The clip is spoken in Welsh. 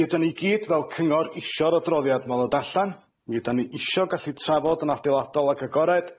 Mi ydan ni gyd fel cyngor isio'r adroddiad 'ma ddod allan. Mi ydan ni isio gallu trafod yn adeiladol ac agored.